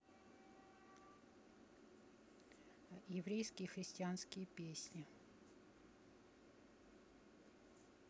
еврейские христианские песни